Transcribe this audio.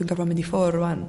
dwi'n gorfo mynd i ffwr rŵan